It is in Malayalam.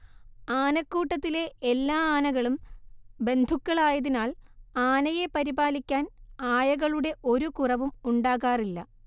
ആനക്കൂട്ടത്തിലെ എല്ലാ ആനകളും ബന്ധുക്കളായതിനാൽ ആനയെ പരിപാലിക്കാൻ ആയകളുടെ ഒരു കുറവും ഉണ്ടാകാറില്ല